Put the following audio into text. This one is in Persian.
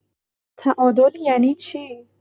تعادل یعنی چی؟